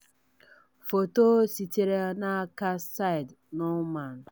Foto sitere n'aka Syed Noman.